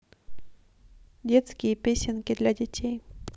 детские песенки для детей